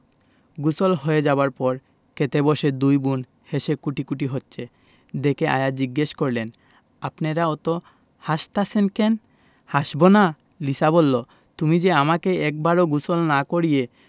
গোসল হয়ে যাবার পর খেতে বসে দুই বোন হেসে কুটিকুটি হচ্ছে দেখে আয়া জিজ্ঞেস করলেন আপনেরা অত হাসতাসেন ক্যান হাসবোনা লিসা বললো তুমি যে আমাকে একবারও গোসল না করিয়ে